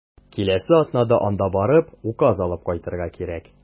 Киләсе атнада анда барып, указ алып кайтырга кирәк.